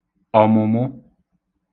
ọ̀mụ̀mụ